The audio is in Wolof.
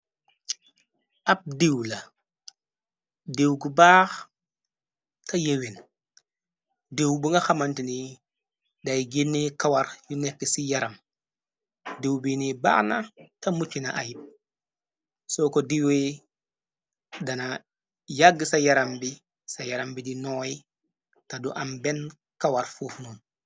Ab diiw la diiw gu baax ta yeween diiw bu nga xamante ni day genne kawar yu nekk ci yaram diiw bi ni baaxna ta muccna ay soo ko diiwe dana yagga ca yaram bi ca yaram bi di nooy ta du am benn kawar fuufnoon.